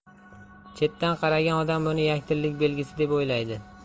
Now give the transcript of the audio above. chetdan qaragan odam buni yakdillik belgisi deb o'ylaydi